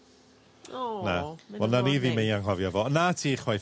O. Ie, wel nawn ni ddim ei anghofio fo. Na ti chwaith...